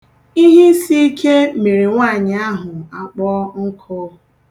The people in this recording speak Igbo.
Ihe isiike mere nwaanyị ahụ a kpọọ nkụ.